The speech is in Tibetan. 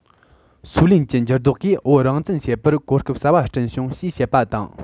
སུའུ ལེན གྱི འགྱུར ལྡོག གིས བོད རང བཙན བྱེད པར གོ སྐབས གསར པ བསྐྲུན བྱུང ཞེས བཤད པ དང